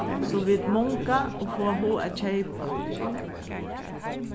so vit munga og fáa hug at keypa